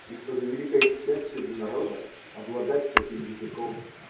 и что за великое счастье для народа – обладать таким языком.